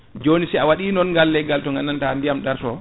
joni si a waɗi non ngal leggal to gandanta to ndiyam darto